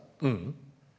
ja.